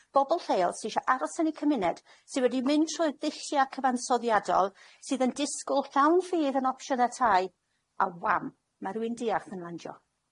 Bobol lleol sy isio aros yn eu cymuned, sy wedi mynd trwy'r dullia' cyfansoddiadol, sydd yn disgwl llawn ffydd yn opsiyne y tai, a wham ma' rywun diarth yn landio.